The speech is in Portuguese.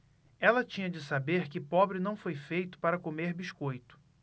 ela tinha de saber que pobre não foi feito para comer biscoito